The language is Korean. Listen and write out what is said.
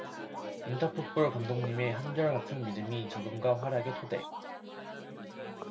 인터풋볼 감독님의 한결 같은 믿음이 적응과 활약의 토대